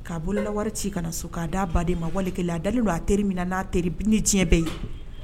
K'a bolola wari ci kana na so k'a d' baden ma wale a dalen don a teri min na n'a teri ni diɲɛ bɛɛ ye